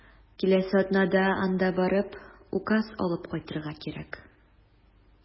Киләсе атнада анда барып, указ алып кайтырга кирәк.